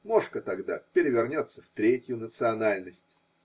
Мошко тогда перевернется в третью национальность.